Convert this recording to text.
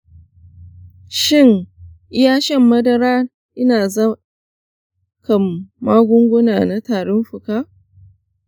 zan iya shan madara ina kan magunguna na tarin fuka?